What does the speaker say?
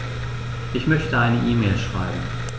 Ich möchte eine E-Mail schreiben.